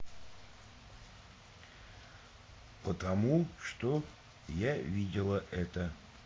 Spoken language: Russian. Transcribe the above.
потому что я видела это